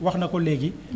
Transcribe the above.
wax na ko léegi